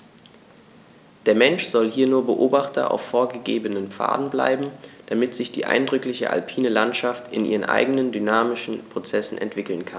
Der Mensch soll hier nur Beobachter auf vorgegebenen Pfaden bleiben, damit sich die eindrückliche alpine Landschaft in ihren eigenen dynamischen Prozessen entwickeln kann.